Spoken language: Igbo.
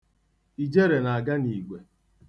Ijere na-aga n'igwe.